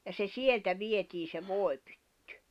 ja se sieltä vietiin se voipytty